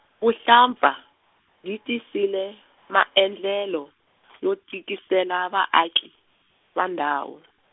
vuhlampfa, byi tisile, maendlelo , yo tikisela vaaki, va ndhawu.